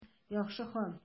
Яхшы, хан.